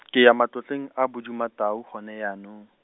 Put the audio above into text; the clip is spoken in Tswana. ke ya matlotleng a Bodumatau gone jaanong.